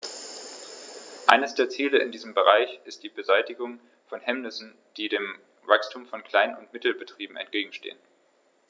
Eines der Ziele in diesem Bereich ist die Beseitigung von Hemmnissen, die dem Wachstum von Klein- und Mittelbetrieben entgegenstehen.